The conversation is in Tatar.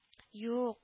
Ююк